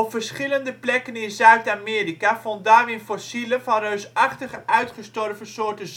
verschillende plekken in Zuid-Amerika vond Darwin fossielen van reusachtige uitgestorven soorten